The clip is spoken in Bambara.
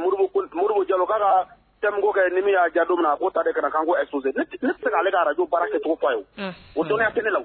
mori jalo ka kɛ ni y'a jaabi don min k' ta de ka' se ale araj baarajɛcogo o dɔnni kelenlaw